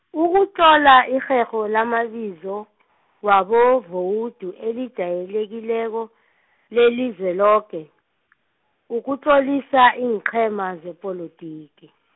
ukutlola irherho lamabizo , wabavowudi elijayelekileko, leliZweloke , ukutlolisa iinqhema zepolotiki.